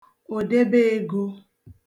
òdebeego